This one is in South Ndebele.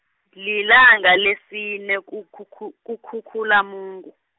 lilanga lesine kuKhukhu- kuKhukhulamungu.